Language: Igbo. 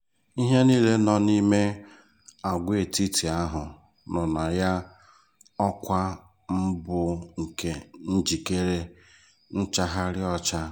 ihe niile nọ n'ime agwaetiti ahụ nọ na, Ọkwa Mbụ nke njikere nchaghari ọcha.